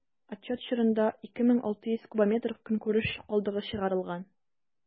Отчет чорында 2600 кубометр көнкүреш калдыгы чыгарылган.